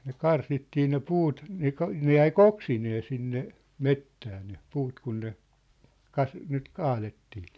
ne karsittiin ne puut ne - ne jäi - oksineen sinne metsään ne puut kun ne - nyt kaadettiin